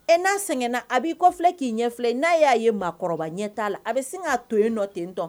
E n'a sɛgɛnna a b'i kɔfi k'i ɲɛ filɛ n'a y'a ye maakɔrɔbaba ɲɛ t'a la a bɛ sin k'a to yen nɔ tentɔ